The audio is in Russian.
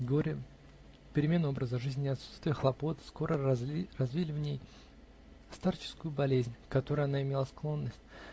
Горе, перемена образа жизни и отсутствие хлопот скоро развили в ней старческую болезнь, к которой она имела склонность.